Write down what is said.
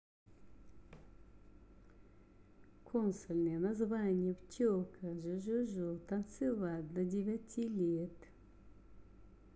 консольные название пчелка жужужу танцевать до девяти лет